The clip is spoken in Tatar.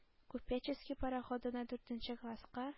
“купеческий“ пароходына, дүртенче класска